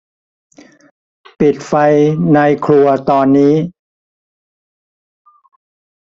ปิดไฟในครัวตอนนี้